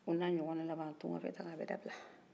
o n'a ɲɔgɔn na laban tukafɛ taa bɛ dabila